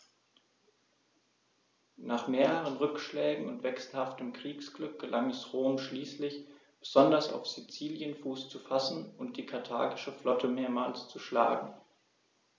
Nach mehreren Rückschlägen und wechselhaftem Kriegsglück gelang es Rom schließlich, besonders auf Sizilien Fuß zu fassen und die karthagische Flotte mehrmals zu schlagen.